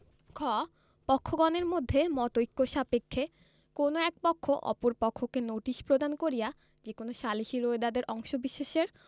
খ পক্ষগণের মধ্যে মতৈক্য সাপেক্ষে কোন এক পক্ষ অপর পক্ষকে নোটিশ প্রদান করিয়া যে কোন সালিসী রোয়েদাদের অংশবিশেষের